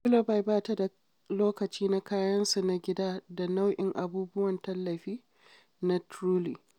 Willoughby ba ta da lokaci na kayansu na gida da nau’in abubuwan tallafi na Truly.